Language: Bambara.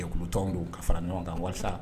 Kulu tɔn don ka fara ɲɔgɔn kan